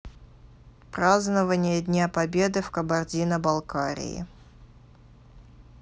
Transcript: празднование дня победы в кабардино балкарии